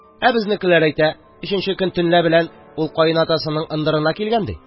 Ә безнекеләр әйтә: өченче көн төнлә белән ул каенатасының ындырына килгән ди.